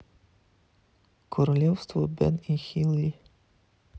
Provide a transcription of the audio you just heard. королевство бен и холли